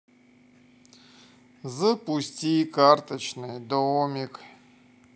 запусти карточный домик